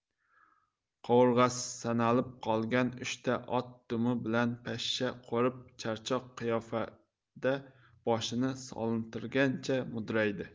qovurg'asi sanalib qolgan uchta ot dumi bilan pashsha qo'rib charchoq qiyofada boshini solintirgancha mudraydi